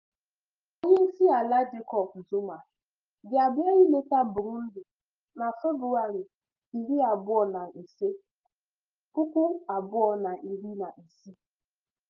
Onyeisiala Jacob Zuma ga-abịa ileta Burundi na Febụwarị 25, 2016.